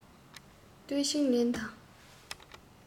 ཏུའུ ཆིང ལིན དང